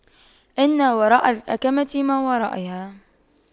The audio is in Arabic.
إن وراء الأَكَمةِ ما وراءها